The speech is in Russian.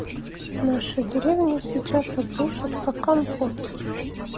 наша деревня сейчас обрушится компот